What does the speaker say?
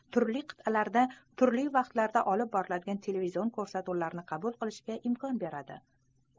turli qit'alarda turli vaqtlarda olib boriladigan televizion ko'rsatuvlarni qabul qilishga imkon beradi